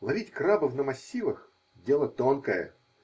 Ловить крабов на массивах -- дело тонкое.